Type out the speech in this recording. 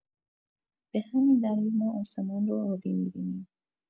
به همین دلیل ما آسمان رو آبی می‌بینیم.